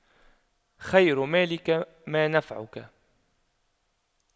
خير مالك ما نفعك